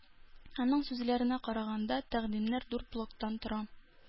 Аның сүзләренә караганда, тәкъдимнәр дүрт блоктан тора.